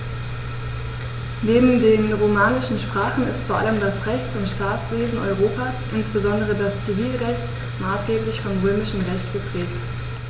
Neben den romanischen Sprachen ist vor allem das Rechts- und Staatswesen Europas, insbesondere das Zivilrecht, maßgeblich vom Römischen Recht geprägt.